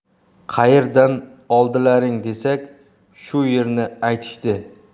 qaerdan oldilaring desak shu yerni aytishdi